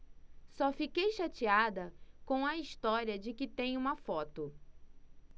só fiquei chateada com a história de que tem uma foto